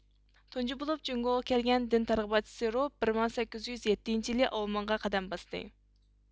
تۇنجى بولۇپ جۇڭگوغا كەلگەن دىن تەرغىباتچىسى روب بىر مىڭ سەككىز يۈز يەتتىنچى يىلى ئاۋمېنغا قەدەم باستى